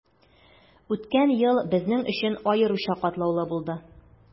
Үткән ел безнең өчен аеруча катлаулы булды.